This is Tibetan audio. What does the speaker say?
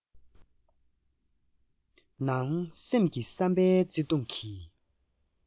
ནང སེམས ཀྱི བསམ པའི བརྩེ དུང གི